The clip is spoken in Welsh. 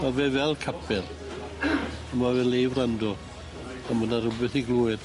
Ma' fe fel capel, a ma' fe le i wrando, a ma' 'ny rwbeth i glywed.